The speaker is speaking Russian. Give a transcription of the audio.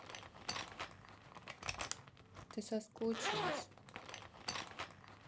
ты соскучилась